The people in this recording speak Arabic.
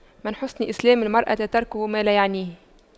من حسن إسلام المرء تَرْكُهُ ما لا يعنيه